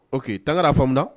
O quei tangara'a faamuyamuda